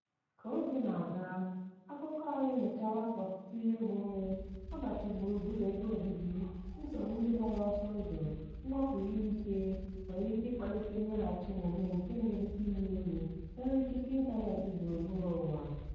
Ka oge na-aga, akụkọ anyị enyochaala ka otu iheomume - ọdachi gburugburu ebe obibi, nsogbu ndị gbara ọsọ ndụ, mwakpo ihe ike - nwere ike ịkpalite mmeghachi omume nke na-ebute iyi egwu nyere ikike ịntaneetị gburugburu ụwa.